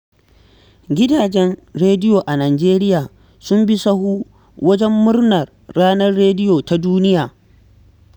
Gidajen rediyo a Nijeriya sun bi sahu wajen murnar ranar rediyo ta duniya.